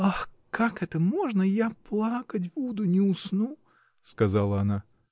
— Ах, как это можно, я плакать буду, не усну! — сказала она.